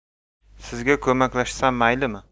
sizga ko'maklashsam maylimi